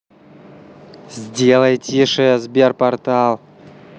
сделай тише sberportal